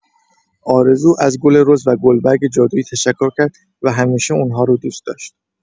آرزو از گل رز و گلبرگ جادویی تشکر کرد و همیشه اون‌ها رو دوست داشت.